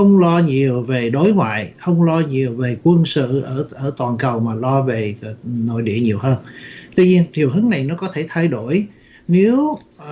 không lo nhiều về đối ngoại không lo nhiều về quân sự ở ở toàn cầu mà lo về nội địa nhiều hơn tuy nhiên chiều hướng này nó có thể thay đổi nếu